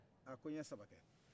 a ko nye saba kɛ